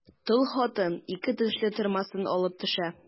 Тол хатын ике тешле тырмасын алып төшә.